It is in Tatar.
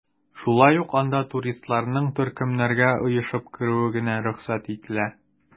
Шулай ук анда туристларның төркемнәргә оешып керүе генә рөхсәт ителә.